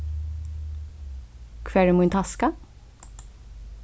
hvar er mín taska